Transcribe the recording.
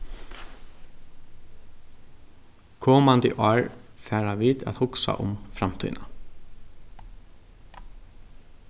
komandi ár fara vit at hugsa um framtíðina